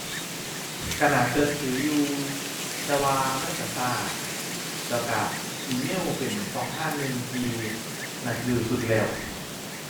ก็น่าก็ถืออยู่แต่ว่ามันก็ก็ แล้วก็อีเมลเป็นก็ทางหนึ่งที่น่าก็ถือสุดแล้ว